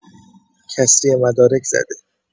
کسری مدارک زده